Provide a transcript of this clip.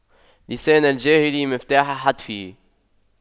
لسان الجاهل مفتاح حتفه